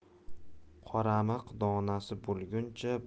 qoramiq donasi bo'lguncha